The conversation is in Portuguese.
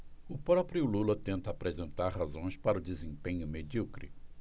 o próprio lula tenta apresentar razões para o desempenho medíocre